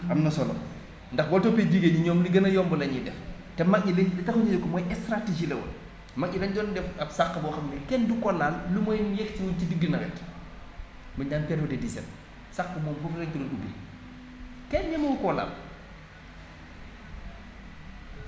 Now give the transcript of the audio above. am na solo ndax boo toppee jigéen ñi ñoom li gën a yomb la ñuy def te mag ñi li tax ñu yëg ko mooy stratégie la woon mag ñi dañ doon def ab sàq boo xam ni kenn du ko laal lu moy yegg si wuñu si diggu nawet buñ daan terme **** sàq moom foofu lañ ko doon ubbee kenn ñemewu ko woon laal